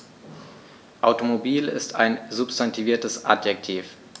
Automobil ist ein substantiviertes Adjektiv.